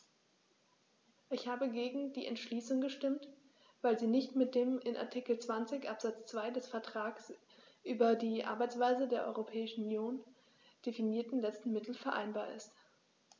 Ich habe gegen die Entschließung gestimmt, weil sie nicht mit dem in Artikel 20 Absatz 2 des Vertrags über die Arbeitsweise der Europäischen Union definierten letzten Mittel vereinbar ist.